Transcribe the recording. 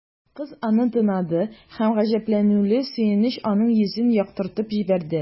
Кыз аны таныды һәм гаҗәпләнүле сөенеч аның йөзен яктыртып җибәрде.